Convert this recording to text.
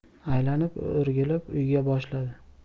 aylanib o'rgilib uyga boshladi